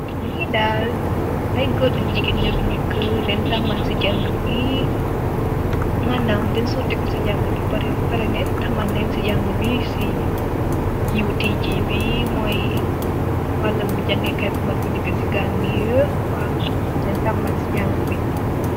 Nyee daal ayye goor ak jigeen nyeh finehkeek, manam denj sotehku ce janhgeg ce utg moui walum jangeh kai bi manam denj tamal ce janhgee.